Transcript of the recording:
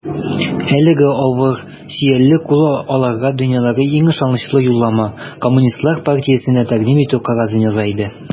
Әлеге авыр, сөялле кул аларга дөньядагы иң ышанычлы юллама - Коммунистлар партиясенә тәкъдим итү кәгазен яза иде.